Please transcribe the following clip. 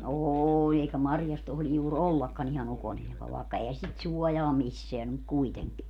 oli eikä marjassa tohdi juuri ollakaan ihan ukonilmalla vaikka eihän sitä suojaa missään ole mutta kuitenkin